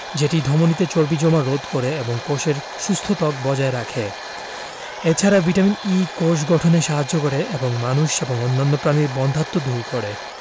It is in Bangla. যেটি ধমনিতে চর্বি জমা রোধ করে এবং কোষের সুস্থ ত্বক বজায় রাখে এ ছাড়া ভিটামিন ই কোষ গঠনে সাহায্য করে এবং মানুষ এবং অন্যান্য প্রাণীর বন্ধ্যাত্ব দূর করে